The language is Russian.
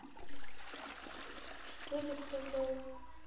че ты сказал